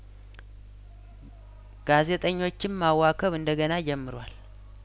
ጋዜጠኞችን ማዋከብ እንደገና ጀምሯል